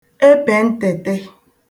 epèntị̀tị